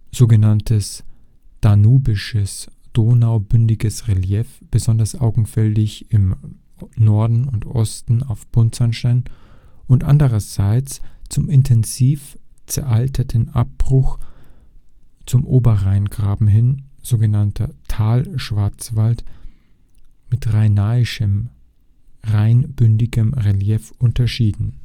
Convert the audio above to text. sogenanntes danubisches – donaubündiges – Relief, besonders augenfällig im Norden und Osten auf Buntsandstein) und andererseits dem intensiv zertalten Abbruch zum Oberrheingraben hin (sogenannter Talschwarzwald mit rhenanischem – rheinbündigem – Relief) unterschieden